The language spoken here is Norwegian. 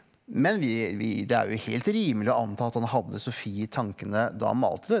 men vi vi det er jo helt rimelig å anta at han hadde Sofie i tankene da han malte det.